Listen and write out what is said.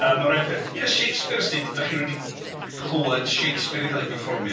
Yy mewn rhai ffyrdd. Hyd yn oed Shakespeare os ti... dach chi rioed 'di clywad Shakespeare yn cael ei berfformio.